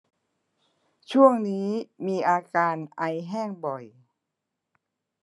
ช่วงนี้มีอาการไอแห้งบ่อย